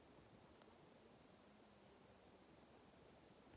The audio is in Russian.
двадцать лет угарного видео